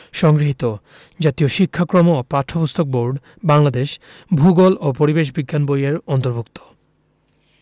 সংগৃহীত জাতীয় শিক্ষাক্রম ও পাঠ্যপুস্তক বোর্ড বাংলাদেশ ভূগোল ও পরিবেশ বিজ্ঞান বই এর অন্তর্ভুক্ত